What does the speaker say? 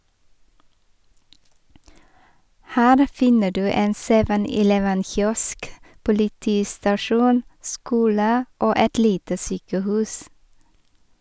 Her finner du en 7-eleven kiosk, politistasjon, skole og et lite sykehus.